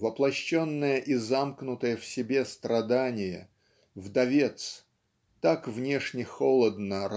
воплощенное и замкнутое в себе страдание вдовец так внешне холодно